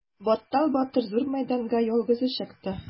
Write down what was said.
Баттал батыр зур мәйданга ялгызы чыкты.